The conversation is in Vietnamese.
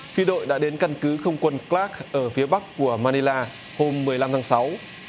phi đội đã đến căn cứ không quân cờ lác ở phía bắc của man đê la hôm mười lăm tháng sáu